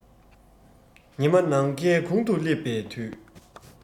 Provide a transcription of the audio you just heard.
ཉི མ ནམ མཁའི དགུང དུ སླེབས པའི དུས